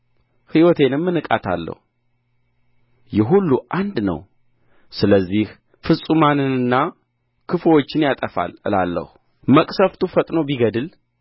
ሕይወቴንም እንቃታለሁ ይህ ሁሉ አንድ ነው ስለዚህ ፍጹማንንና ክፉዎችን ያጠፋል እላለሁ መቅሠፍቱ ፈጥኖ ቢገድል